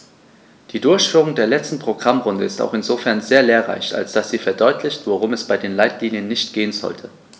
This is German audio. Die Durchführung der letzten Programmrunde ist auch insofern sehr lehrreich, als dass sie verdeutlicht, worum es bei den Leitlinien nicht gehen sollte.